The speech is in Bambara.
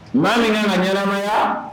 Maa min kan ŋa ɲɛnamaya